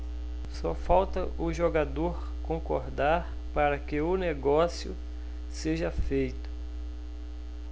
só falta o jogador concordar para que o negócio seja feito